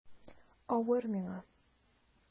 Авыр миңа...